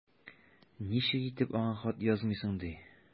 Ничек итеп аңа хат язмыйсың ди!